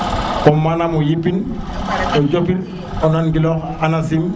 comme manaam o yipin o jokin o nan giloox anacim